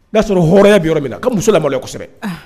I y'a sɔrɔ hɔya bɛ yɔrɔ min na ka muso lasɛbɛ